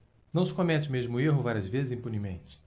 não se comete o mesmo erro várias vezes impunemente